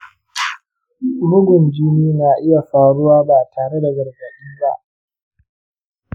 bugun jini na iya faruwa ba tare da gargaɗi ba?